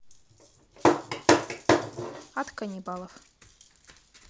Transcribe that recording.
ад каннибалов